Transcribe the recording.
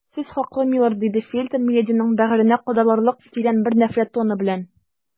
Сез хаклы, милорд, - диде Фельтон милединың бәгыренә кадалырлык тирән бер нәфрәт тоны белән.